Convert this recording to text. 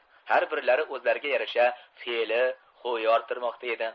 har birlari o'zlariga yarasha fe'li ho'y orttirmoqda edi